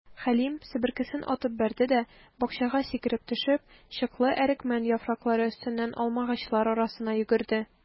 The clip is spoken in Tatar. Хәлим, себеркесен атып бәрде дә, бакчага сикереп төшеп, чыклы әрекмән яфраклары өстеннән алмагачлар арасына йөгерде.